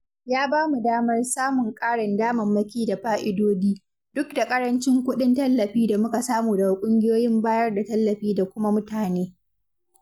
Ya ba mu damar samun ƙarin damammaki da fa'idodi, duk da ƙarancin kuɗin tallafi da muka samu daga ƙungiyoyin bayar da tallafi da kuma mutane.